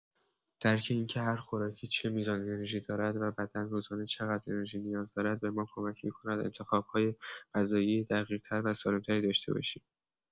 درک اینکه هر خوراکی چه میزان انرژی دارد و بدن روزانه چقدر انرژی نیاز دارد، به ما کمک می‌کند انتخاب‌های غذایی دقیق‌تر و سالم‌تری داشته باشیم.